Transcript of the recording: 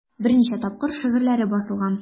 Берничә тапкыр шигырьләре басылган.